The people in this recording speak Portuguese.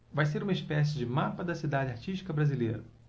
vai ser uma espécie de mapa da cidade artística brasileira